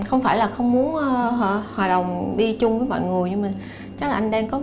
không phải là không muốn ơ hòa đồng đi chung với mọi người nhưng mà chắc là anh đang có